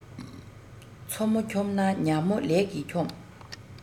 མཚོ མོ འཁྱོམས ན ཉ མོ ལས ཀྱིས འཁྱོམ